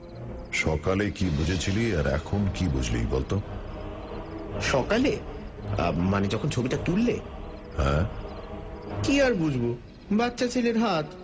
সকালে কী বুঝেছিলি আর এখন কী বুঝলি বলতো সকালে মানে যখন ছবিটা তুললে হ্যাঁ কী আর বুঝব বাচ্চা ছেলের হাত